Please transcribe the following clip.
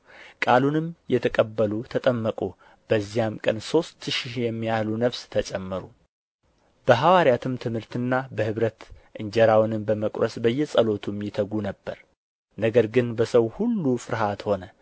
ቃሉንም የተቀበሉ ተጠመቁ በዚያም ቀን ሦስት ሺህ የሚያህል ነፍስ ተጨመሩ በሐዋርያትም ትምህርትና በኅብረት እንጀራውንም በመቍረስ በየጸሎቱም ይተጉ ነበር ነገር ግን በሰው ሁሉ ፍርሀት ሆነ